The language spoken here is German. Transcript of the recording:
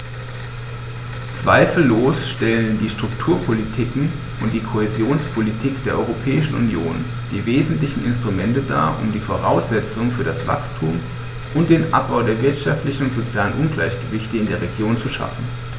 Zweifellos stellen die Strukturpolitiken und die Kohäsionspolitik der Europäischen Union die wesentlichen Instrumente dar, um die Voraussetzungen für das Wachstum und den Abbau der wirtschaftlichen und sozialen Ungleichgewichte in den Regionen zu schaffen.